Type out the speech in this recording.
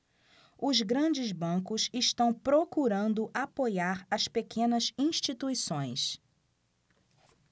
os grandes bancos estão procurando apoiar as pequenas instituições